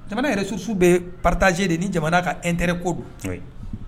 Jamana ressource bɛ partagé de ni jamana ka intérêt ko don